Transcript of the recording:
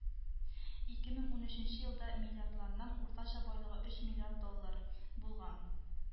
Ике мең унөченче елда миллиардерларның уртача байлыгы өч миллиард доллар булган.